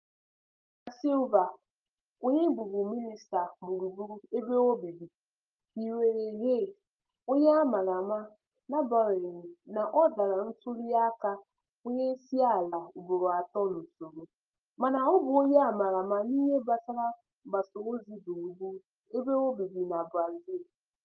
Marina Silva, onye bụbu Mịnịsta Gburugburu Ebe Obibi, hiwere Rede, onye a maara ama n'agbanyeghị na ọ dara ntuliaka onyeisiala ugboro atọ n'usoro, mana ọ bụ onye a maara n'ihe gbasara mgbasaozi gburugburu ebe obibi na Brazil.